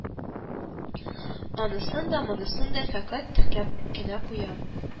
Анысын да, монысын да фәкать теркәп кенә куя